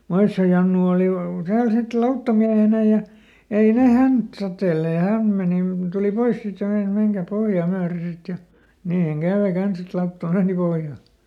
Moision Jannu oli täällä sitten lauttamiehenä ja ei ne häntä totelleet ja hän meni tuli pois sitten ja meinasi menkääpä pohjaa myöden sitten ja niinhän kävi kanssa että lautta meni pohjaan